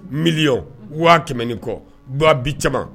Miliy waa tɛmɛnen kɔ bu bi caman